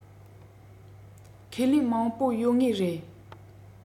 ཁས ལེན མང པོ ཡོད ངེས རེད